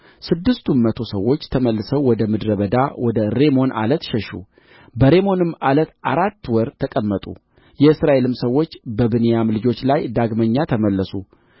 ስድስቱም መቶ ሰዎች ተመልሰው ወደ ምድረ በዳ ወደ ሬሞን ዓለት ሸሹ በሬሞን ዓለት አራት ወር ተቀመጡ የእስራኤልም ሰዎች በብንያም ልጆች ላይ ዳግመኛ ተመለሱ